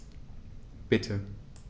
Bitte.